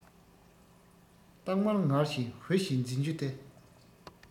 སྟག དམར ངར བཞིན བུ བཞིན འཛིན རྒྱུ འདི